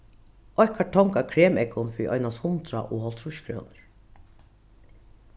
eitt kartong av kremeggum fyri einans hundrað og hálvtrýss krónur